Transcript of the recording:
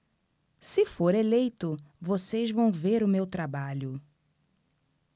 se for eleito vocês vão ver o meu trabalho